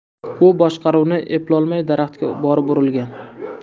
u boshqaruvni eplolmay daraxtga borib urilgan